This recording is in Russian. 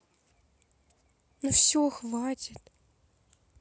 ну все хватит